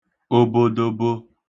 obodobo